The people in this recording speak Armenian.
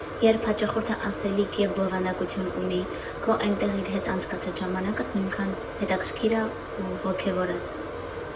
Երբ հաճախորդը ասելիք ու բովանդակություն ունի, քո՝ էնտեղ իր հետ անցկացրած ժամանակդ նույնքան հետաքրքիր ա ու ոգևորող։